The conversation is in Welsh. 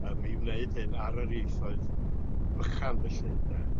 yym i wneud hyn ar yr ieithoedd bychan felly ynde.